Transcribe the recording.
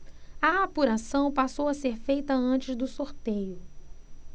a apuração passou a ser feita antes do sorteio